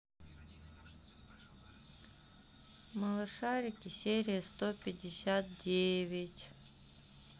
малышарики серия сто пятьдесят девять